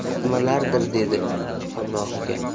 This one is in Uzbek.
u nimalardir dedi hamrohiga